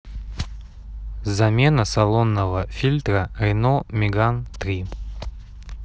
замена салонного фильтра рено меган три